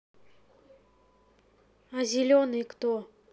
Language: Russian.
а зеленый кто